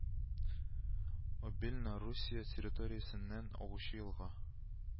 Обельна Русия территориясеннән агучы елга